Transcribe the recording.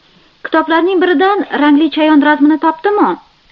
kitoblarning birida rangli chayon rasmini topdim u